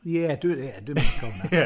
Ie, dwi... ie dwi'm yn lico hwnna.